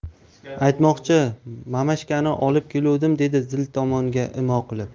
aytmoqchi mamashkani olib keluvdim dedi zil tomonga imo qilib